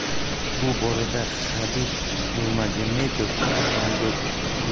bu borada habib nurmagomedov